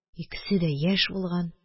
Икесе дә яшь булган